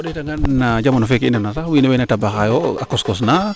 to o ndeeta ngaan no jamano feeke i ndef na sax wiin wey na tabaxa yo a kos kos na